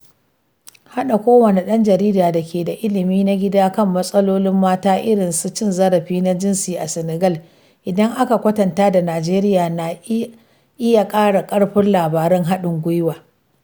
Haɗa kowanne ɗan jarida da ke da ilimi na gida kan matsalolin mata – irin su cin zarafi na jinsi a Senegal idan aka kwatanta da Najeriya – na iya ƙara ƙarfin labarun haɗin gwiwa.